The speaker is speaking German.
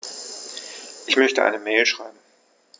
Ich möchte eine Mail schreiben.